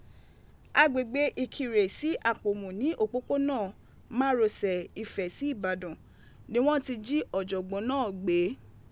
Agbegbe Ikire si Apomu ni opopona marosẹ Ifẹ si Ibadan ni wọn ti ji ọjọgbọn naa gbe.